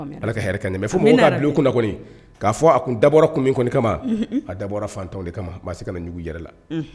Ala ka ka ɲɛ fɔ min b'a bulon kun kɔni k'a fɔ a kun dabɔ kun kɔni kama a dabɔ fantan kama b'a se kaugu yɛrɛ la